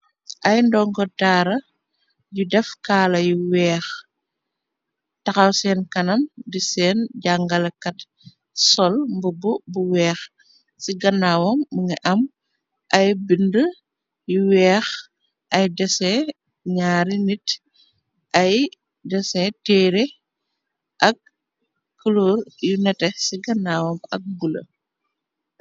Ay ndongo daara yu def kaala yu weex, taxaw seen kanam di seen jàngalakat, sol mbubu bu weex, ci gannaawam mu nga am ay binde yu weex, ay dese naari nit, ay dese teere, ak kolor yu nete ci ganaawam ak bule.